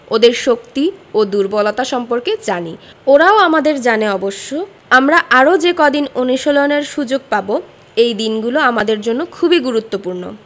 ওদের শক্তি ও দুর্বলতা সম্পর্কে জানি ওরাও আমাদের জানে অবশ্য আমরা আরও যে কদিন অনুশীলনের সুযোগ পাব এই দিনগুলো আমাদের জন্য খুবই গুরুত্বপূর্ণ